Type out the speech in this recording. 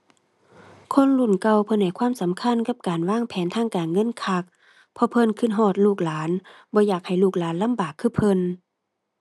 คนรุ่นเก่าเพิ่นให้ความสำคัญกับการวางแผนทางการเงินคัก เพราะเพิ่นคิดฮอดลูกหลาน บ่อยากให้ลูกหลานลำบากคือเพิ่น